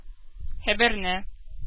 Хәбәрне